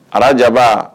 A ja